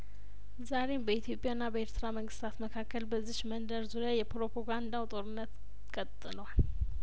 ዛሬም በኢትዮጵያ ና በኤርትራ መንግስታት መካከል በዚች መንደር ዙሪያ የፕሮፖጋንዳው ጦርነት ቀጥሏል